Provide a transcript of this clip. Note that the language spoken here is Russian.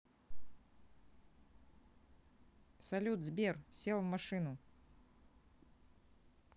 салют сбер сел в машину